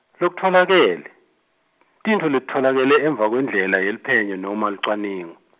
lokutfolakele, tintfo letitfolakele emva kwendlela yeluphenyo noma lucwaningo.